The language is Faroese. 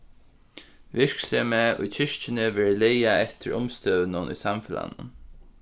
virksemið í kirkjuni verður lagað eftir umstøðunum í samfelagnum